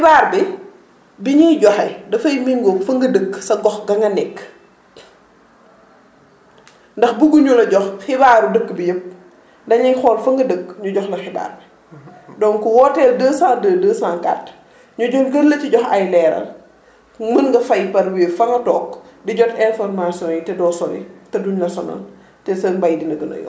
xibaar bi bi ñuy joxe dafay méngoo fi nga dëkk sa gox ba nga nekk ndax bëgguñu la jox xibaaru dëkk bi yëpp dañuy xool fa nga dëkk ñu jox la xibaar donc; wooteel 202 204 ñu jo gën la si jox ay leeral mën nga fay par Wave fa nga toog di jot information yi te doo sori te du ñu la sonal t(e seen mbay di na gën a yokk